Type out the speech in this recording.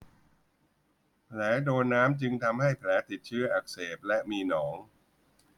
แผลโดนน้ำจึงทำให้แผลติดเชื้ออักเสบและมีหนอง